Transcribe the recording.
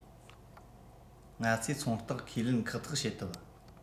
ང ཚོའི ཚོང རྟགས ཁས ལེན ཁག ཐེག བྱེད ཐུབ